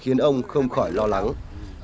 khiến ông không khỏi lo lắng